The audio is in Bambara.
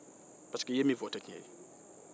pariseke i ye min fɔ o tɛ tiɲɛ ye